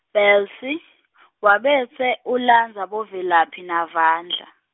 Bhelci , wabese, ulandza, boVelaphi naVandla.